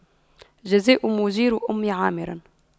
جزاء مُجيرِ أُمِّ عامِرٍ